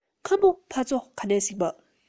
ཁམ བུ ཕ ཚོ ག ནས གཟིགས པ